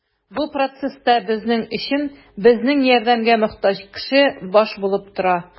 Бу процесста безнең өчен безнең ярдәмгә мохтаҗ кеше баш булып тора.